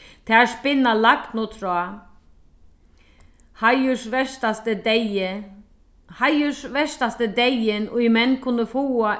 tær spinna lagnutráð deyði deyðin ið menn kunnu fáa